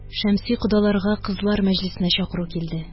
Шәмси кодаларга кызлар мәҗлесенә чакыру килде